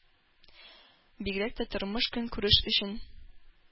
Бигрәк тә тормыш-көнкүреш өчен